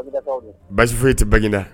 Bagindakaw don? Basi foyi tɛ Baginda.